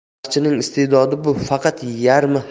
tarixchining iste'dodi bu faqat yarmi